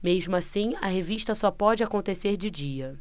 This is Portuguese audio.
mesmo assim a revista só pode acontecer de dia